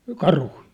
karhuja